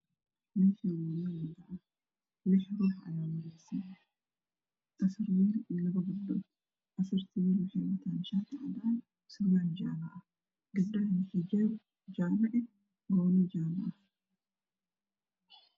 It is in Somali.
Meeshan waa meel wada ah waxaa marayo tobo ruux afar wiil iyo sadex gabdhood wiilasha waxa ay wataan shati cades ah iyo surwal jaala ah gandhahana xijaab jala ah iyo cabayad jaala ah